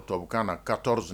To kan na ka